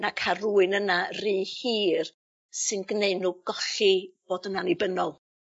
na ca'l rwun yna rhy hir sy'n gneu' n'w golli fod yn annibynnol.